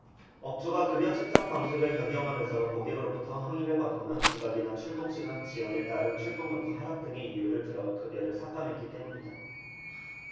업주가 급여 책정 방식을 변경하면서 고객으로부터 항의를 받거나 지각이나 출동 시간 지연에 따른 출동점수 하락 등의 이유를 들어 급여를 삭감했기 때문이다